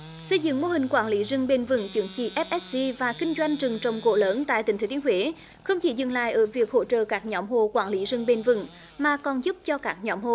xây dựng mô hình quản lý rừng bền vững chứng chỉ ép ép xi và kinh doanh rừng trồng gỗ lớn tại tỉnh thừa thiên huế không chỉ dừng lại ở việc hỗ trợ các nhóm hộ quản lý rừng bền vững mà còn giúp cho các nhóm hộ